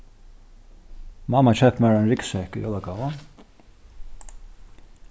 mamma keypti mær ein ryggsekk í jólagávu